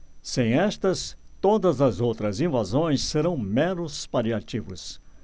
sem estas todas as outras invasões são meros paliativos